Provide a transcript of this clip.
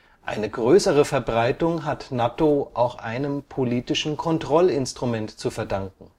Eine größere Verbreitung hat Nattō auch einem politischen Kontrollinstrument zu verdanken